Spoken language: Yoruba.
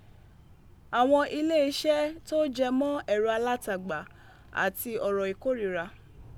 Àwọn ile iṣẹ tó jẹ́ mọ́ ẹ̀rọ-alátagbà ati ọ̀rọ̀ ìkórìíra.